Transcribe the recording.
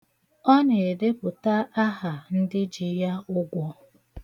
Ọ na-edepụta aha ndị ji ya ụgwọ.